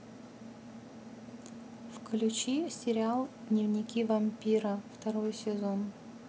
включи сериал дневники вампира второй сезон